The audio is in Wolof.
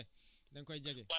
donc mooy dàq bi